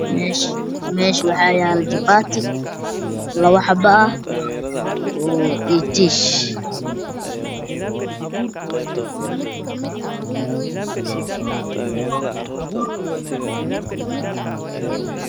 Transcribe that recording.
Meesha waa yaala jabaati laba xaba ah iyo tiish.